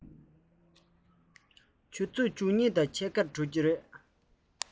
ཆུ ཚོད བཅུ གཉིས དང ཕྱེད ཀར གྲོལ གྱི རེད